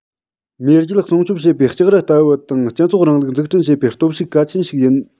མེས རྒྱལ སྲུང སྐྱོབ བྱེད པའི ལྕགས རི ལྟ བུ དང སྤྱི ཚོགས རིང ལུགས འཛུགས སྐྲུན བྱེད པའི སྟོབས ཤུགས གལ ཆེན ཞིག ཡིན